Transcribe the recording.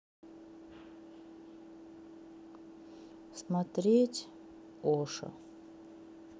смотреть оша